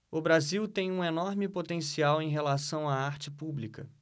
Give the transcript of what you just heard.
o brasil tem um enorme potencial em relação à arte pública